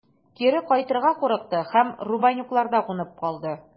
Кире кайтырга курыкты һәм Рубанюкларда кунып калды.